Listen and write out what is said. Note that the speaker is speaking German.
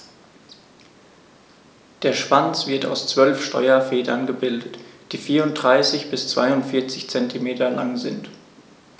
Der Schwanz wird aus 12 Steuerfedern gebildet, die 34 bis 42 cm lang sind.